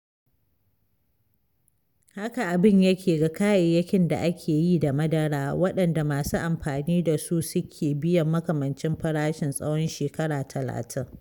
Haka abin yake ga kayayyakin da ake yi da madara, waɗanda masu amfani da su suke biyan makamancin farashin tsawon shekara talatin.